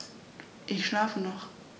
Ich schlafe noch.